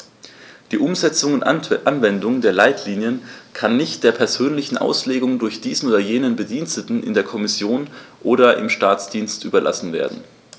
Die Umsetzung und Anwendung der Leitlinien kann nicht der persönlichen Auslegung durch diesen oder jenen Bediensteten in der Kommission oder im Staatsdienst überlassen werden.